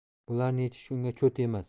bularni yechish unga cho't emas